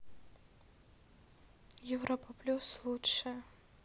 европа плюс лучшее